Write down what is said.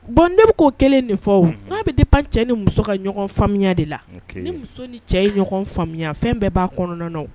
Bon ne bɛ k'o 1 de fɔ o ŋ'a bɛ dépend cɛ ni muso ka ɲɔgɔn faamuya de la ok ni muso ni cɛ ye ɲɔgɔn faamuya fɛn bɛɛ b'a kɔnɔna na o